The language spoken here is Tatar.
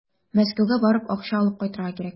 Мәскәүгә барып, акча алып кайтырга кирәк.